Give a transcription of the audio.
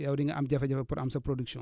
yow di nga am jafe-jafe pour am sa production